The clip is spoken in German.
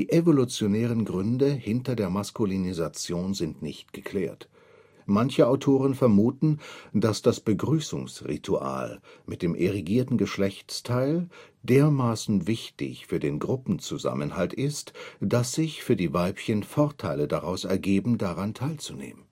evolutionären Gründe hinter der Maskulinisation sind nicht geklärt. Manche Autoren vermuten, dass das Begrüßungsritual mit dem erigierten Geschlechtsteil (siehe unten) dermaßen wichtig für den Gruppenzusammenhalt ist, dass sich für die Weibchen Vorteile daraus ergaben, daran teilzunehmen